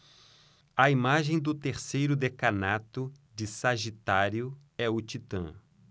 a imagem do terceiro decanato de sagitário é o titã